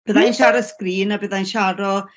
Bydda i'n sharo sgrin a byddai'n sharo